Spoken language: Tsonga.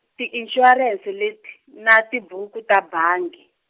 tinxuwarense leti, na tibuku ta bangi.